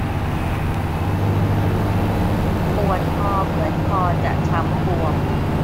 ปวดคอเหมือนคอจะช้ำบวม